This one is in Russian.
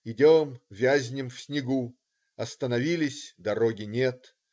Идем, вязнем в снегу; остановились - дороги нет.